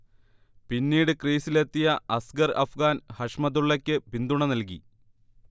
പിന്നീട് ക്രീസിലെത്തിയ അസ്ഗർ അഫ്ഗാൻ, ഹഷ്മതുള്ളയക്ക് പിന്തുണ നൽകി